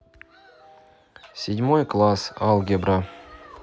седьмой класс алгебра